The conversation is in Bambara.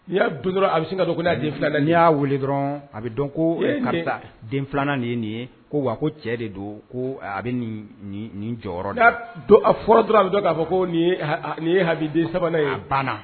I y'a don dɔrɔn a bɛ sin ka don ko n'a den filananla n'i y'a weele dɔrɔn a bɛ dɔn ko karisa den filanan ye nin ye ko wa ko cɛ de don ko a bɛ nin jɔyɔrɔ don a fɔra tora a bɛ dɔn k'a fɔ ko nin ye haden sabanan a banna